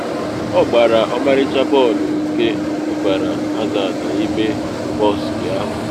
Ọ gbara ọmarịcha bọọlụ, nke dubara Hazard n’ime bọksị ahụ.